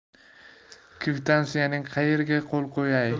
kvitansiyaning qayeriga qo'l qo'yay